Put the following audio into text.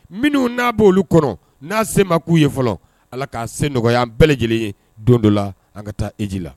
Minnu n'a bɛ olu kɔrɔ n'a se ma k'u ye fɔlɔ ala k'a sen nɔgɔya an bɛɛ lajɛlen ye don dɔ la an ka taa eji la